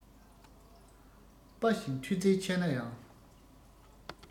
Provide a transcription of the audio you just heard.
དཔའ ཞིང མཐུ རྩལ ཆེ ན ཡང